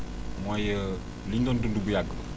mooy li ñu doon dund bu yàgg ba